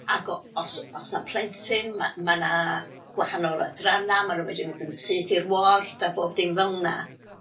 Ac o- os o's 'na plentyn ma' ma' 'na gwahanol adrana ma' n'w medru mynd yn syth i'r ward a bob dim fel 'na.